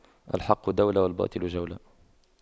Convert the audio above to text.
الحق دولة والباطل جولة